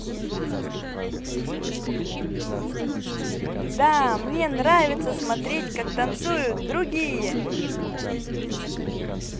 да мне нравится смотреть как танцуют другие